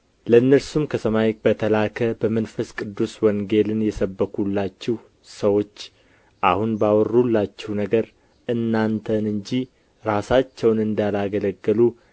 ለእነርሱም ከሰማይ በተላከ በመንፈስ ቅዱስ ወንጌልን የሰበኩላችሁ ሰዎች አሁን ባወሩላችሁ ነገር እናንተን እንጂ ራሳቸውን እንዳላገለገሉ